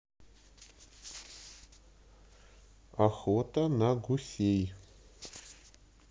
охота на гусей